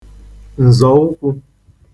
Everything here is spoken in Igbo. ǹzọ̀ụkwụ̄